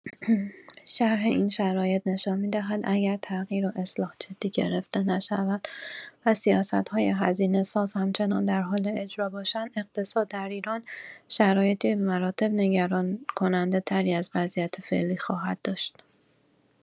شرح این شرایط نشان می‌دهد، اگر «تغییر و اصلاح» جدی گرفته نشود و سیاست‌های هزینه‌ساز همچنان در حال اجرا باشند، اقتصاد در ایران شرایطی به مراتب نگران کننده‌تری از وضعیت فعلی خواهد داشت.